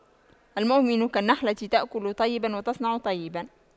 المؤمن كالنحلة تأكل طيبا وتضع طيبا